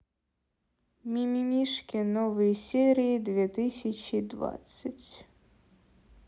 мимимишки новые серии две тысячи двадцать